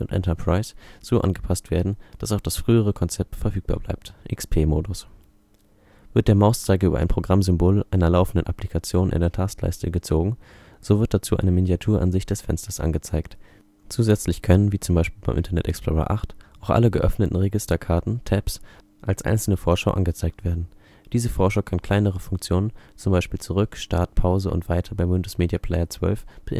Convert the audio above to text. Enterprise so angepasst werden, dass auch das frühere Konzept verfügbar bleibt („ XP-Modus “). Miniaturansicht Wird der Mauszeiger über ein Programmsymbol einer laufenden Applikation in der Taskleiste gezogen, so wird dazu eine Miniaturansicht des Fensters angezeigt. Zusätzlich können (wie z. B. beim Internet Explorer 8) auch alle geöffneten Registerkarten (Tabs) als einzelne Vorschau angezeigt werden. Diese Vorschau kann kleinere Funktionen (z. B. „ Zurück “,„ Start/Pause “und „ Weiter “beim Windows Media Player 12) beinhalten